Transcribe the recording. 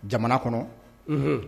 Jamana kɔnɔ, unhun